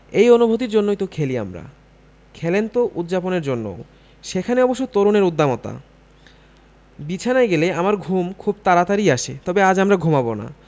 এই অনুভূতির জন্যই তো খেলি আমরা খেলেন তো উদ্যাপনের জন্যও সেখানে অবশ্য তরুণের উদ্দামতা বিছানায় গেলে আমার ঘুম খুব তাড়াতাড়িই আসে তবে আজ আমরা ঘুমাব না